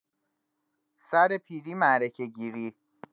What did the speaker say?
سر پیری معرکه‌گیری